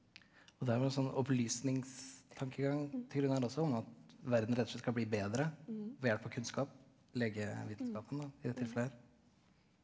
og det er jo en sånn opplysningstankegang til grunn her også om at verden rett og slett skal bli bedre ved hjelp og kunnskap legevitenskapen da i det tilfellet her.